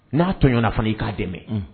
N'a tɔɔnna fana i k'a dɛmɛ